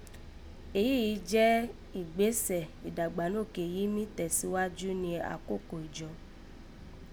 Èyíyìí jẹ́ ìgbésẹ̀ ìdàgbànókè yìí mí tẹ̀ síwájú ni àkókò ìjọ